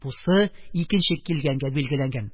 Бусы икенче килгәнгә билгеләнгән.